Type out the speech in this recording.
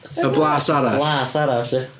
Fatha blas arall... Y blas arall, ia.